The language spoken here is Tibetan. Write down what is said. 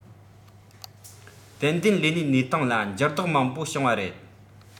ཏན ཏན ལས གནས གནས སྟངས ལ འགྱུར ལྡོག མང པོ བྱུང བ རེད